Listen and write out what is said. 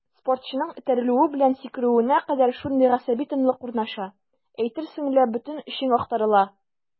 Спортчының этәрелүе белән сикерүенә кадәр шундый гасаби тынлык урнаша, әйтерсең лә бөтен эчең актарыла.